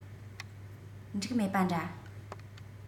འགྲིག མེད པ འདྲ